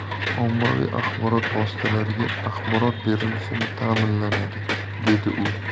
axborot berilishi ta'minlanadi dedi u